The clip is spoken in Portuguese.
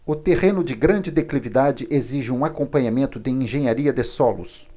o terreno de grande declividade exige um acompanhamento de engenharia de solos